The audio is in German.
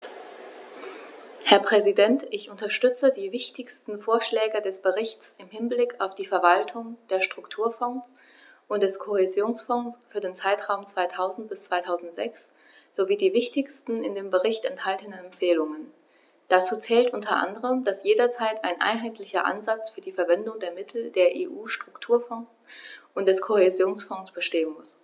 Herr Präsident, ich unterstütze die wichtigsten Vorschläge des Berichts im Hinblick auf die Verwaltung der Strukturfonds und des Kohäsionsfonds für den Zeitraum 2000-2006 sowie die wichtigsten in dem Bericht enthaltenen Empfehlungen. Dazu zählt u. a., dass jederzeit ein einheitlicher Ansatz für die Verwendung der Mittel der EU-Strukturfonds und des Kohäsionsfonds bestehen muss.